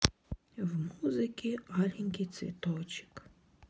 в музыке аленький цветочек